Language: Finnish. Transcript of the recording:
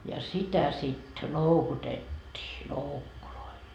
ja sitä sitten loukutettiin loukuilla